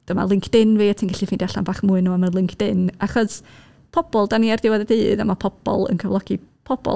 Dyma LinkedIn fi a ti'n gallu ffeindio allan bach mwy am nhw ar y LinkedIn. Achos, pobl dan ni ar diwedd y dydd, a 'ma pobl yn cyflogi pobl...